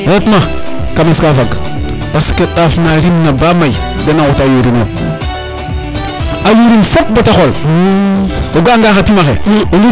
ye ret ma kames ka fag parce que ndaaaf na rimna ba may dena ngotu a yurino yo a yurin fop bata xool o ga a nga xa timaxe